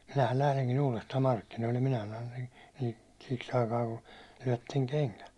minähän lähdenkin uudestaan markkinoille minä sanoin siksi aikaa kun lyötte kengät